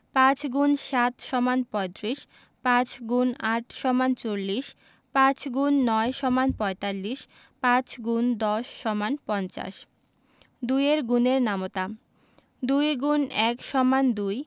৫x ৬ = ৩০ ৫× ৭ = ৩৫ ৫× ৮ = ৪০ ৫x ৯ = ৪৫ ৫×১০ = ৫০ ২ এর গুণের নামতা ২ X ১ = ২